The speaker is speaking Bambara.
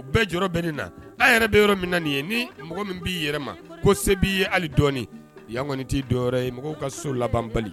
U bɛɛ jɔrɔ bɛ ne na, a yɛrɛ bɛ yɔrɔ min na nin ye ni mɔgɔ min b'i yɛrɛ ma ko se b'i ye hali dɔɔni yan kɔni t'i do ye mɔgɔw ka so labanban bali